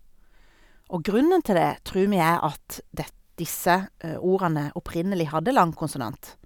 Og grunnen til det tror vi er at dett disse ordene opprinnelig hadde lang konsonant.